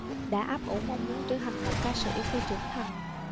đã ấp ủ mong muốn trở thành một ca sĩ khi trưởng thành